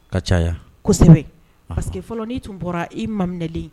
Ka caya kosɛbɛ parce fɔlɔin tun bɔra i maminɛli